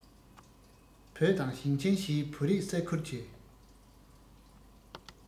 བོད དང ཞིང ཆེན བཞིའི བོད རིགས ས ཁུལ གྱི